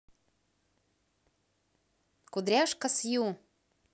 кудряшка сью